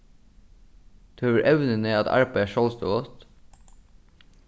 tú hevur evnini at arbeiða sjálvstøðugt